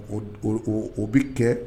O o bɛ kɛ